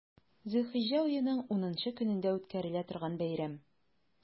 Зөлхиҗҗә аеның унынчы көнендә үткәрелә торган бәйрәм.